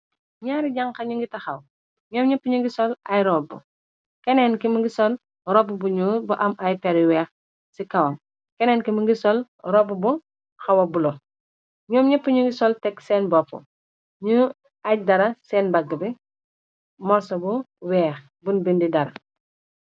Nyaari janxa ñu ngi taxaw ñoom ñyepp ñu ngi sol ay rob keneen ki mi ngi sol rob bu ñuul bu am ay peru weex ci kawam keneen ki mingi sol rob bu xawa bulo ñoom ñyepp ñu gi sol tekk seen bopp ñu aj dara seen bagg bi morso bu weex buñ bindi dara.